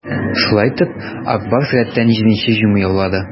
Шулай итеп, "Ак Барс" рәттән җиденче җиңү яулады.